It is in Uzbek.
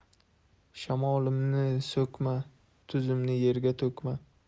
shamolimni so'kma tuzimni yerga to'kma